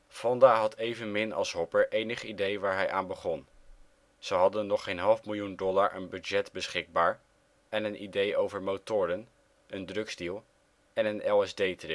Fonda had evenmin als Hopper enig idee waar hij aan begon. Ze hadden nog geen half miljoen dollar aan budget beschikbaar en een idee over motoren, een drugsdeal en een LSD-trip. De